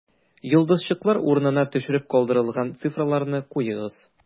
Йолдызчыклар урынына төшереп калдырылган цифрларны куегыз: